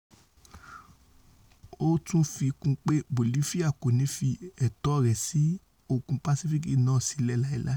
ó tun fi kún un pe Bolifia kòní fi ẹ̀tọ́ rẹ̀ sí Òkun Pàsífíìkì náà sílẹ̀ láíláí’.